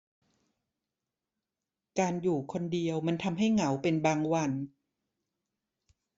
การอยู่คนเดียวมันทำให้เหงาเป็นบางวัน